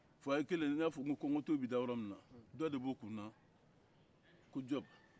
fuwaye kelen n y'a fɔ ko kɔgɔntɔw bɛ da yɔrɔ min na dɔ de b'o kun na ko jɔpu